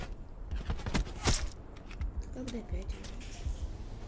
когда пятеро